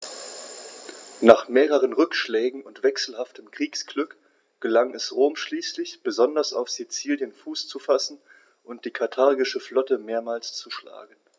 Nach mehreren Rückschlägen und wechselhaftem Kriegsglück gelang es Rom schließlich, besonders auf Sizilien Fuß zu fassen und die karthagische Flotte mehrmals zu schlagen.